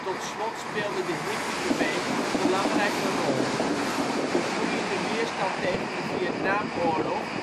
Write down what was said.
Tot slot speelde de hippiebeweging een belangrijke rol. De groeiende weerstand tegen de Vietnamoorlog